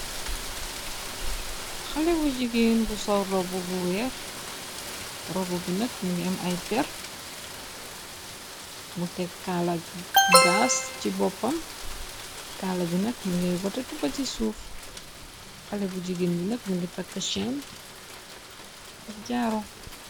Xale bu jigeen bu sow rob bu weer rob bi nag mu ngay am ay per mu teg kaala gaas ci boppam kaala bi nag mi ngay wata tupa ci suuf xalé bu jigéen bi nag mu ngi takk cheen ab jaaro.